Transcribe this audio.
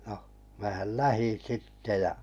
no minähän lähdin sitten ja